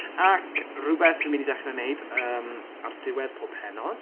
Ac rhywbeth fi'n mynd i dechrau wneud yym ar diwedd pob pennod...